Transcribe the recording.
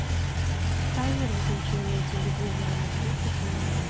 таймер выключения телевизора на тридцать минут